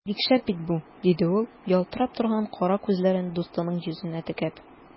Бик шәп бит бу! - диде ул, ялтырап торган кара күзләрен дустының йөзенә текәп.